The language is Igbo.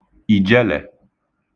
ìjelè